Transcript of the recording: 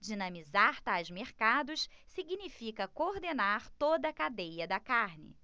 dinamizar tais mercados significa coordenar toda a cadeia da carne